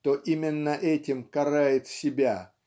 то именно этим карает себя